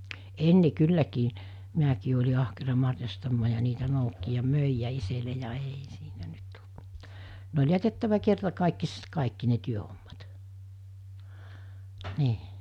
ennen kylläkin minäkin olin ahkera marjastamaan ja niitä noukki ja myi ja itselle ja ei siitä nyt tullut mitään ne oli jätettävä kertakaikkisesti kaikki ne työhommat niin